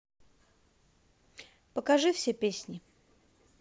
покажи все песни